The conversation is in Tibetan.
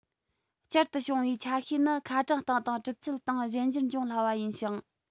བསྐྱར དུ བྱུང བའི ཆ ཤས ནི ཁ གྲངས སྟེང དང གྲུབ ཚུལ སྟེང གཞན འགྱུར འབྱུང སླ བ ཡིན ཞིང